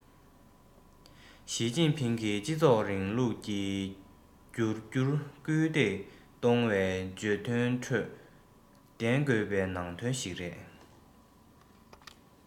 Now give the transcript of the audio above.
ཞིས ཅིན ཕིང གིས སྤྱི ཚོགས རིང ལུགས ཀྱི འགྱུར རྒྱུར སྐུལ འདེད གཏོང བའི བརྗོད དོན ཁྲོད ལྡན དགོས པའི ནང དོན ཞིག རེད